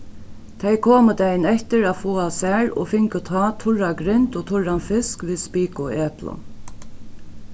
tey komu dagin eftir at fáa sær og fingu tá turra grind og turran fisk við spik og eplum